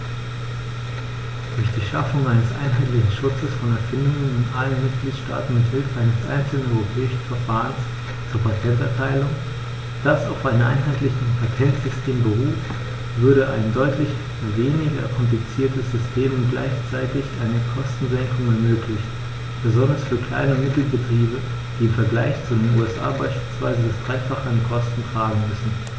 Durch die Schaffung eines einheitlichen Schutzes von Erfindungen in allen Mitgliedstaaten mit Hilfe eines einzelnen europäischen Verfahrens zur Patenterteilung, das auf einem einheitlichen Patentsystem beruht, würde ein deutlich weniger kompliziertes System und gleichzeitig eine Kostensenkung ermöglicht, besonders für Klein- und Mittelbetriebe, die im Vergleich zu den USA beispielsweise das dreifache an Kosten tragen müssen.